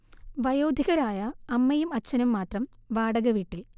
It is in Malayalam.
വയോധികരായ അമ്മയും അച്ഛനും മാത്രം വാടക വീട്ടിൽ